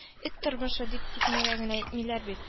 Эт тормышы, дип, тикмәгә генә әйтмиләр бит